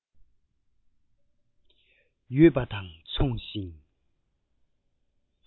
ཡོད པ དང མཚུངས ཤིང